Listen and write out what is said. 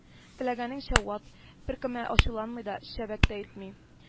Теләгәнеңчә ват, беркем ачуланмый да, “чәбәк” тә итми